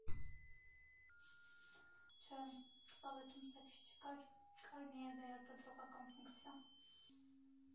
Չէ, սովետում սեքս չկար, կար միայն վերարտադրողական ֆունկցիա։